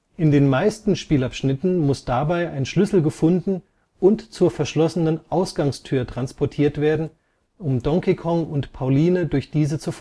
In den meisten Spielabschnitten muss dabei ein Schlüssel gefunden und zur verschlossenen Ausgangstür transportiert werden, um Donkey Kong und Pauline durch diese zu